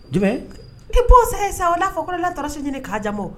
Jumɛn torche di Kaja ma.